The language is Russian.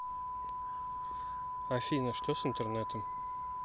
афина что с интернетом